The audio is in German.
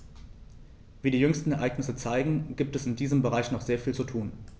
Wie die jüngsten Ereignisse zeigen, gibt es in diesem Bereich noch sehr viel zu tun.